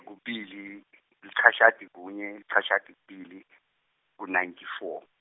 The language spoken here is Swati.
kubili lichashata kunye lichashata kubili ku- ninety four.